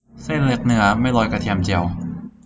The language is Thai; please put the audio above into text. เส้นเล็กเนื้อไม่โรยกระเทียมเจียว